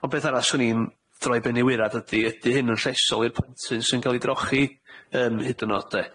Wbeth arall swn i'n droi ben i waerad ydi, ydi hyn yn llesol i'r plentyn sy'n ca'l 'i drochi yym hyd 'n o'd 'de?